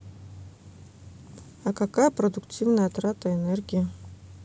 а какая продуктивная трата энергии